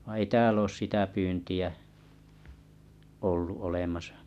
vaan ei täällä ole sitä pyyntiä ollut olemassa